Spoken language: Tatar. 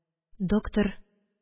Доктор